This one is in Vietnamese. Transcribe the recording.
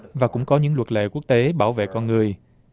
và cũng có những luật lệ quốc tế bảo vệ con người